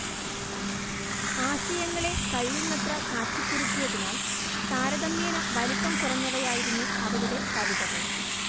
ആശയങ്ങളെ കഴിയുന്നത്ര കാച്ചിക്കുറുക്കിയതിനാൽ താരതമ്യേന വലിപ്പം കുറഞ്ഞവയായിരുന്നു അവരുടെ കവിതകൾ